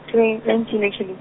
twenty, nineteen actually.